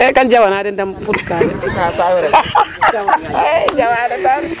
ee kaam jawanaa den futka den jawaa retaa rek.